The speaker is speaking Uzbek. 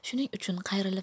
shuning uchun qayrilib